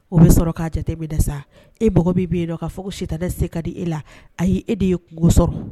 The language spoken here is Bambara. O bɛ sɔrɔ k'a jate min dɛ sa e bɛ bɛ yen ka fɔ sita tɛ se ka di e la a y' e de ye kungo sɔrɔ